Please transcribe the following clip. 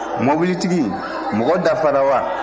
mobilitigi mɔgɔ dafara wa